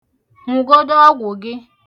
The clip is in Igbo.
Ṅụ godu ọgwụ gị.